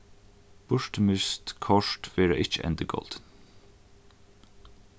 burturmist kort verða ikki endurgoldin